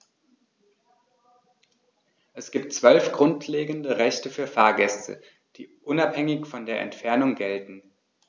Es gibt 12 grundlegende Rechte für Fahrgäste, die unabhängig von der Entfernung gelten.